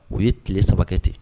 U ye tile saba ten